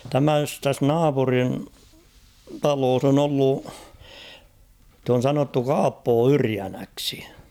tämä tässä naapurin talossa on ollut sitä on sanottu Kaappo Yrjänäksi